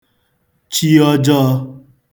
chi ọjọọ̄